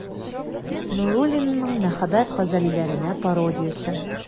Нуруллинның «Мәхәббәт газәлләренә пародия»се.